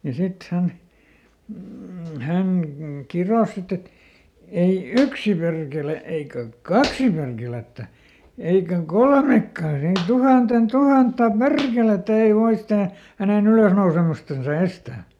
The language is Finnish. ja sitten hän mm hän kirosi sitten että ei yksi perkele eikä kaksi perkelettä eikä kolmekaan ei tuhannen tuhatta perkelettä ei voi sitä hänen ylösnousemustansa estää